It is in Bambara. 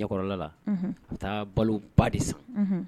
Ɲɛkɔrɔla la, unhun, ka taa baloba de san